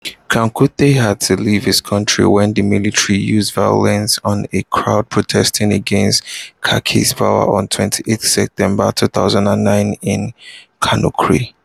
Kouyaté had to leave his country when the military used violence on a crowd protesting against Kaki's power on 28 September 2009 in Conakry.